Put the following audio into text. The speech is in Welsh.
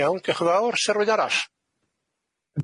Iawn diolch yn fawr sylwyd arall.